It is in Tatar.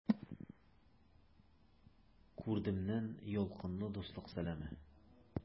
Күрдемнән ялкынлы дуслык сәламе!